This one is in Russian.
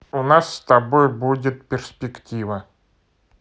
у нас с тобой будет перспектива